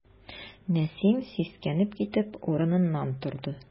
Нәсим, сискәнеп китеп, урыныннан торды.